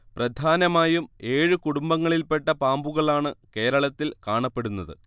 പ്രധാനമായും ഏഴ് കുടുംബങ്ങളിൽപ്പെട്ട പാമ്പുകളാണ് കേരളത്തിൽ കാണപ്പെടുന്നത്